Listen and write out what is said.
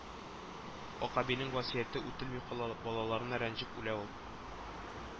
Акъәбинең васыяте үтәлми кала, балаларына рәнҗеп үлә ул